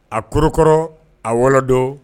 A korokɔrɔ a wɔdon